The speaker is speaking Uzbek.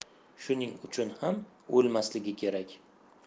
shuning uchun ham o'lmasligi kerak